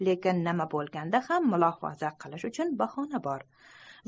lekin nima bo'lganda ham mulohaza qilish uchun bahona bor